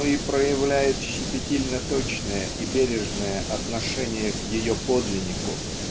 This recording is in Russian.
но и проявляет щепетильно-точное и бережное отношение к ее подлиннику